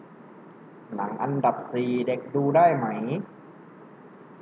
หนังอันดับสี่เด็กดูได้ไหม